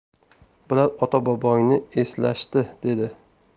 bular ota bobongni eslashdi dedi